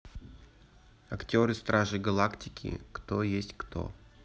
актеры стражи галактики кто есть кто